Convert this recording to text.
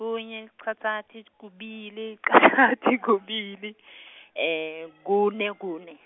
kunye, licashata, kubili, licashata, kubili , kune, kune.